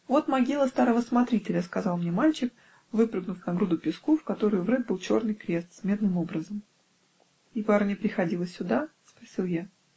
-- Вот могила старого смотрителя, -- сказал мне мальчик, вспрыгнув на груду песку, в которую врыт был черный крест с медным образом. -- И барыня приходила сюда? -- спросил я.